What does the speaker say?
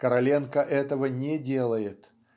Короленко этого не делает.